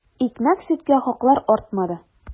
Икмәк-сөткә хаклар артмады.